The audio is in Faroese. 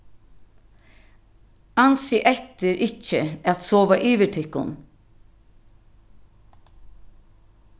ansið eftir ikki at sova yvir tykkum